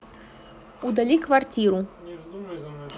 удали квартиру